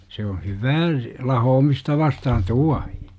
se on hyvää lahoamista vastaan tuohi